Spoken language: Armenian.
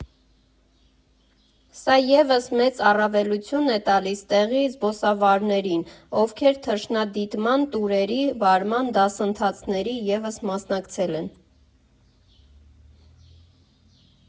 Սա ևս մեծ առավելություն է տալիս տեղի զբոսավարներին, ովքեր թռչնադիտման տուրերի վարման դասընթացների ևս մասնակցել են։